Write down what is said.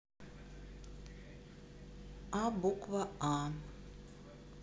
а буква а